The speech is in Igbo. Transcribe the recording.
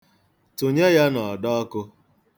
Tụnye ya n'ọdọọkụ.